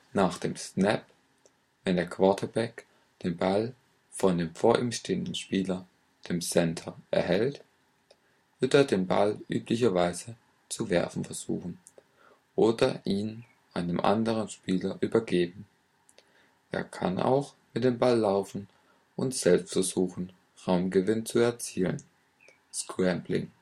Nach dem Snap, wenn der Quarterback den Ball von dem vor ihm stehenden Spieler, dem Center, erhält, wird er den Ball üblicherweise zu werfen versuchen oder ihn einem anderen Spieler übergeben. Er kann auch mit dem Ball laufen und selbst versuchen, Raumgewinn zu erzielen (Scrambling